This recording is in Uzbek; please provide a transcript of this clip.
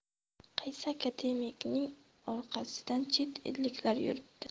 qaysi akademigingning orqasidan chet elliklar yuribdi